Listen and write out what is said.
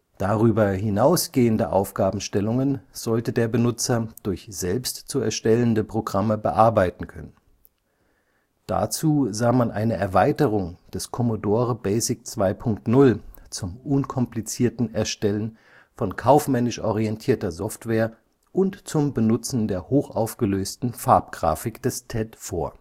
Darüber hinaus gehende Aufgabenstellungen sollte der Benutzer durch selbst zu erstellende Programme bearbeiten können. Dazu sah man eine Erweiterung des Commodore Basic 2.0 zum unkomplizierten Erstellen von kaufmännisch orientierter Software und zum Benutzen der hochaufgelösten Farbgrafik des TED vor